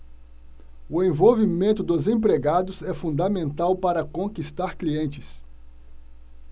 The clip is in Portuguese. o envolvimento dos empregados é fundamental para conquistar clientes